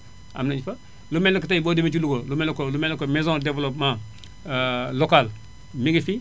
am nañu fa lu mel ne que tay boo demee ca Louga lu mel ne que lu mel ne que maison développement local mi ngi fi